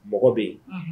Mɔgɔ bɛ yen unhun